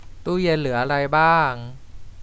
ตู้เย็นเหลืออะไรบ้าง